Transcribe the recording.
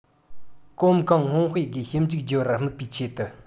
གོམ གང སྔོན སྤོས སྒོས ཞིབ འཇུག བགྱི བར དམིགས པའི ཆེད དུ